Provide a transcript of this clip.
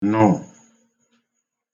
-nụ̄